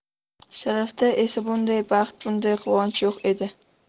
sharifda esa bunday baxt bunday quvonch yo'q edi